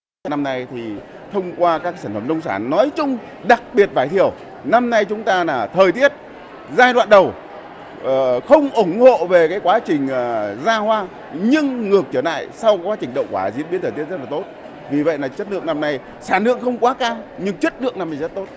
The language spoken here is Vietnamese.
năm nay thì thông qua các sản phẩm nông sản nói chung đặc biệt vải thiều năm nay chúng ta là thời tiết giai đoạn đầu ở không ủng hộ về quá trình ở ra hoa nhưng ngược trở lại sau quá trình đậu quả diễn biến thời rất tốt vì vậy là chất lượng năm nay sản lượng không quá cao nhưng chất lượng rất tốt